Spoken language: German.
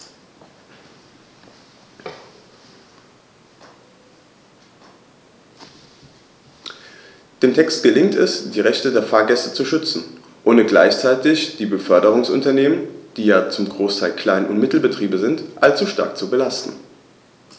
Dem Text gelingt es, die Rechte der Fahrgäste zu schützen, ohne gleichzeitig die Beförderungsunternehmen - die ja zum Großteil Klein- und Mittelbetriebe sind - allzu stark zu belasten.